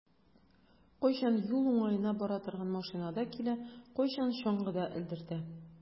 Кайчан юл уңаена бара торган машинада килә, кайчан чаңгыда элдертә.